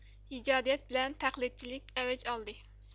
ئىجادىيەت بىلەن تەقلىدچىلىك ئەۋج ئالدى